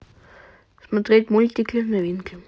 смотреть мультики новинки